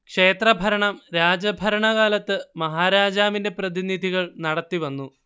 ക്ഷേത്രഭരണം രാജഭരണകാലത്ത് മഹാരാജാവിന്റെ പ്രതിനിധികൾ നടത്തിവന്നു